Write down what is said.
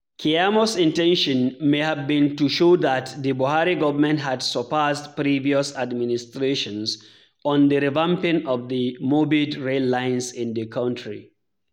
Keyamo's intention may have been to show that the Buhari government had surpassed previous administrations on the revamping of the morbid rail lines in the country.